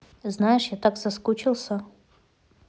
знаешь я так соскучился